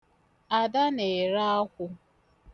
Ada na-ere akwụ.